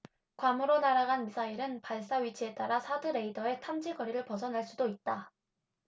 괌으로 날아간 미사일은 발사 위치에 따라 사드 레이더의 탐지거리를 벗어날 수도 있다